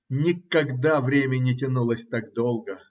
Никогда время не тянулось так долго.